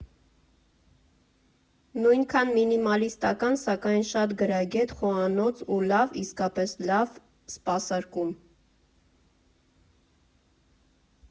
Նույնքան մինիմալիստական, սակայն շատ գրագետ խոհանոց ու լավ, իսկապես լավ սպասարկում։